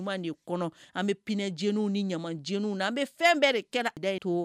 Ɲuman de kɔnɔ an bɛ penw ni ɲa jw na an bɛ fɛn bɛɛ de kɛra dayi to